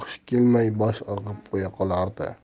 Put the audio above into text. hushi kelmay bosh irg'ab qo'ya qolardi